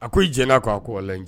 A ko i jɛn'a kɔ wa? A ko wallahi